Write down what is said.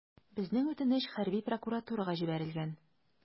Безнең үтенеч хәрби прокуратурага җибәрелгән.